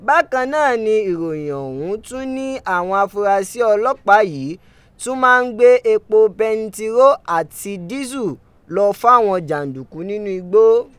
Bakan naa ni iroyin ọhún tun ni awon afurasi ọlọpaa yìí tún máa n gbe epo bentiroolu ati disu lọ fawọn janduku ninu igbo.